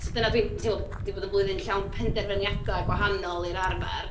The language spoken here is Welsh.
So, dyna dwi'n teimlo bod hi 'di bod yn flwyddyn llawn penderfyniadau gwahanol i'r arfer.